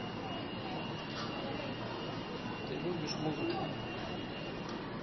ты любишь музыку